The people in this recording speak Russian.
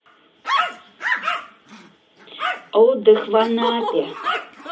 отдых в анапе